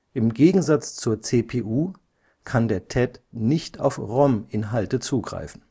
Im Gegensatz zur CPU kann der TED nicht auf ROM-Inhalte zugreifen